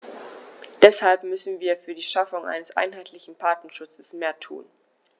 Deshalb müssen wir für die Schaffung eines einheitlichen Patentschutzes mehr tun.